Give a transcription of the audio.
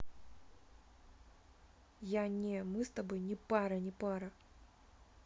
я не мы с тобой не пара не пара